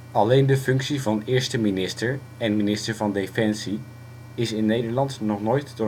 Alleen de functie van Eerste minister en minister van defensie is in Nederland nog nooit